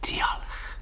Diolch!